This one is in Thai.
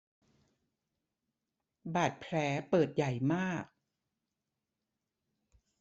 บาดแผลเปิดใหญ่มาก